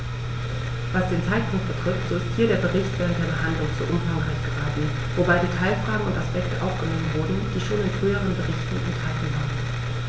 Was den Zeitpunkt betrifft, so ist hier der Bericht während der Behandlung zu umfangreich geraten, wobei Detailfragen und Aspekte aufgenommen wurden, die schon in früheren Berichten enthalten waren.